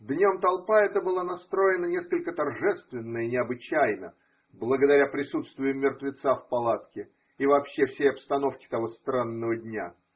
Днем толпа эта была настроена несколько торжественно и необычайно, благодаря присутствию мертвеца в палатке и вообще всей обстановке того странного дня.